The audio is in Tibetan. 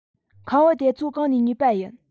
ཁམ བུ དེ ཚོ གང ནས ཉོས པ ཡིན